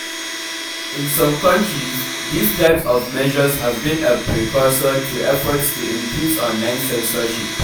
In some countries, these types of measures have been a precursor to efforts to increase online censorship.